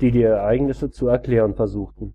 die die Ereignisse zu erklären versuchten